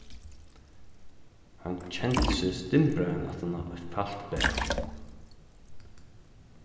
hann kendi seg stimbraðan aftan á eitt kalt bað